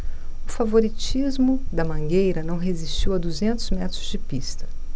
o favoritismo da mangueira não resistiu a duzentos metros de pista